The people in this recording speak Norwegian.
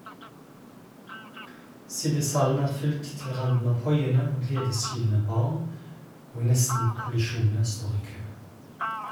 Siddishallen er fylt til randen av hoiende og gledeshylende barn, og nestenkollisjonene står i kø.